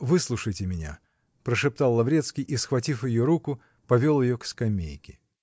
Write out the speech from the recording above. выслушайте меня, -- прошептал Лаврецкий и, схватив ее руку, повел ее к скамейке.